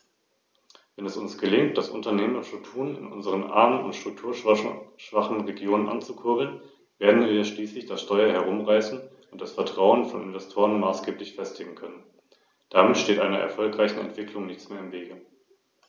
Das wird durch staatliche Maßnahmen ermöglicht, und eine solche Dezentralisation der höheren Ausbildung ist nachgerade eine sinnvolle Politik für eine ausgeglichene Entwicklung.